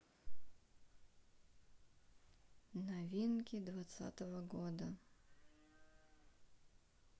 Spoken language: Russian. новинки двадцатого года